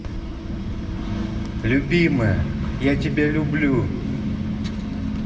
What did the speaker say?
любимая я тебя люблю